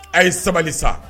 A ye sabali sa